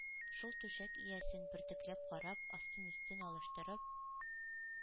Шул түшәк иясен бөртекләп карап, астын-өстен алыштырып,